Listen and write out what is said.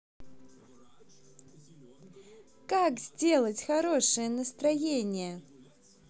как сделать хорошее настроение